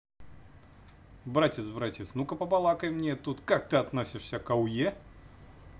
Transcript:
братец братец ну ка побалакай мне тут как ты относишься к ауе